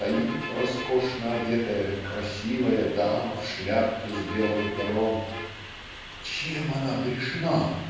стоит роскошно одетая красивая дама в шляпке с белым пером. "Чем она грешна?"